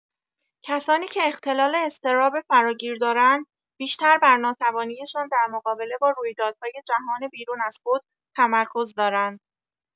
کسانی که اختلال اضطراب فراگیر دارند، بیشتر بر ناتوانی‌شان در مقابله با رویدادهای جهان بیرون از خود تمرکز دارند.